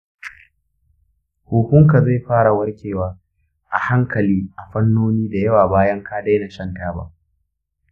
huhunka zai fara warkewa a hankali a fannoni da yawa bayan ka daina shan taba.